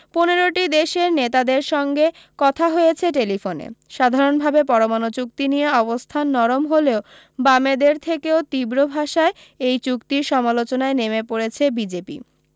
পনের টি দেশের নেতাদের সঙ্গে কথা হয়েছে টেলিফোনে সাধারণভাবে পরমাণু চুক্তি নিয়ে অবস্থান নরম হলেও বামেদের থেকেও তীব্রভাষায় এই চুক্তির সমালোচনায় নেমে পড়েছে বিজেপি